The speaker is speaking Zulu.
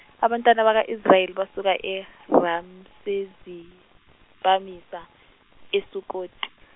abantwana bakwa Israel basuka eRamsesi bamisa eSukoti.